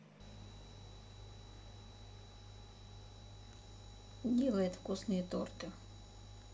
делает вкусные торты